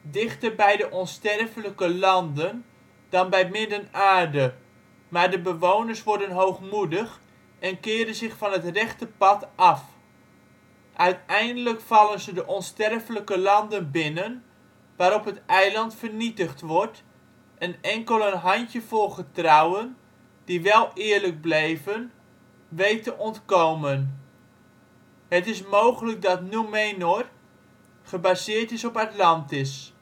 dichter bij de Onsterfelijke Landen dan bij Midden-Aarde, maar de bewoners worden hoogmoedig en keren zich van het rechte pad af. Uiteindelijk vallen ze de Onsterfelijke Landen binnen waarop het eiland vernietigd wordt, en enkel een handjevol getrouwen, die wel eerlijk bleven, weet te ontkomen. Het is mogelijk dat Númenor gebaseerd is op Atlantis